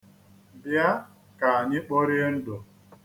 Bịa ka anyị kporie ndụ.